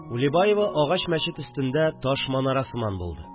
Улибаева агач мәчет өстендә таш манара сыман булды